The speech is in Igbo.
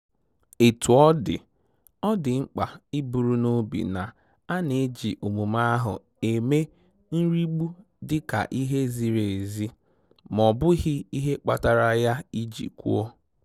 Etu ọ dị, ọ dị mkpa iburu n'obi na a na-eji omume ahụ eme nrigbu dịka ihe ziri ezi ma ọ bụghị ihe kpatara ya iji kwuo.